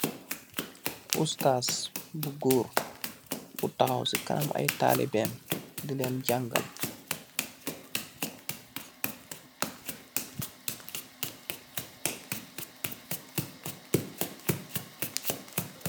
Ustaas bu Goor, bu taxaw si kanam ay taalubeem yi di leen jaangal.